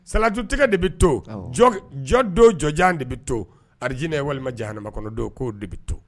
Salajtigɛ de bɛ to jɔ don jɔjan de bɛ to ardinɛ ye walima janma kɔnɔ do'o de bɛ to